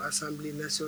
A san bilen so